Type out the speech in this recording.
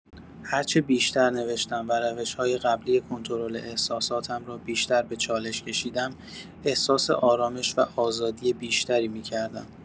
هرچه بیشتر نوشتم و روش‌های قبلی کنترل احساساتم را بیشتر به چالش کشیدم، احساس آرامش و آزادی بیشتری می‌کردم.